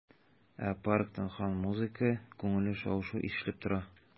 Ә парктан һаман музыка, күңелле шау-шу ишетелеп тора.